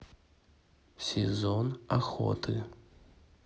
сезон охоты